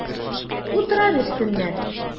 Утыра бирсеннәр!